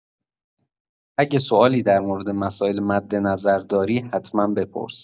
اگه سوالی در مورد مسائل مدنظر داری، حتما بپرس.